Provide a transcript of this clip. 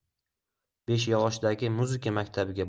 beshyog'ochdagi muzika maktabiga